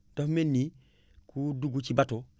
daf mel ni ku dugg ci bateau